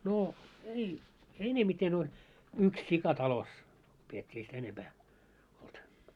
no ei enemmiten oli yksi sika talossa pidettiin ei sitä enempää ollut